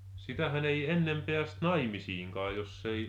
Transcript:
sitähän ei ennen päässyt naimisiinkaan jos ei